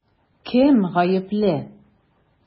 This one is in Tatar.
Кем гаепле?